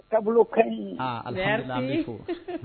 Taabolo alaha anmi fɔ